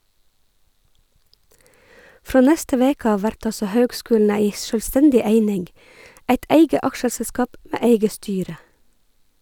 Frå neste veke av vert altså høgskulen ei sjølvstendig eining, eit eige aksjeselskap med eige styre.